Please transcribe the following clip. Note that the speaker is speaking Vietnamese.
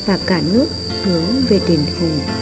và cả nước hướng về đền hùng